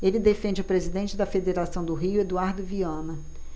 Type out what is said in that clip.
ele defende o presidente da federação do rio eduardo viana